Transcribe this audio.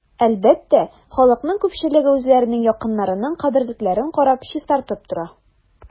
Әлбәттә, халыкның күпчелеге үзләренең якыннарының каберлекләрен карап, чистартып тора.